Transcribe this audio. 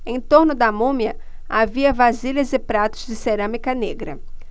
em torno da múmia havia vasilhas e pratos de cerâmica negra